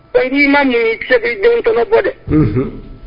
Wa'i ma min sɛbɛn jɔn kɔnɔ bɔ dɛ